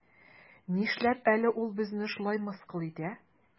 Нишләп әле ул безне шулай мыскыл итә?